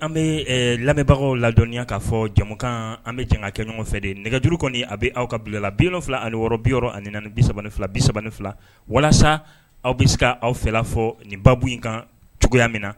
an bɛ lamɛnbagaw ladɔnya kaa fɔ jamukan an bɛ jan kɛ ɲɔgɔn fɛ de nɛgɛjuru kɔni a bɛ aw ka bilala bi fila ani wɔɔrɔ bi ani ni bi fila bisa fila walasa aw bɛ se aw fɛ fɔ nin babu in kan cogoya min na